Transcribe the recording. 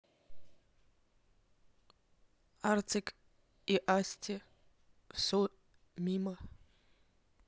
артик и асти все мимо